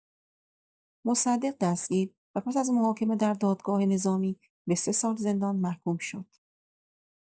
مصدق دستگیر و پس از محاکمه در دادگاه نظامی به سه سال زندان محکوم شد.